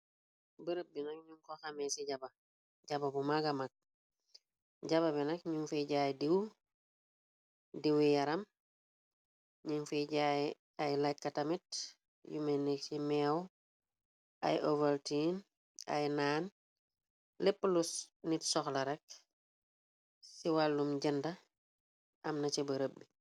Bërëb bi nak nyung ko xamee ci jaba jaba bu maga mag jaba bi nak ñum fijaay dew, dew yaram nyung fiyjaay ay lekkatamit yu ménni ci méew ay overtea ay naan lépp lu nit soxla rekk ci wàllum jënda amna ca bereb bi.